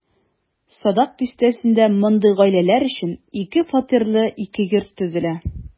Садак бистәсендә мондый гаиләләр өчен ике фатирлы ике йорт төзелә.